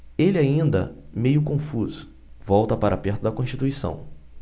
ele ainda meio confuso volta para perto de constituição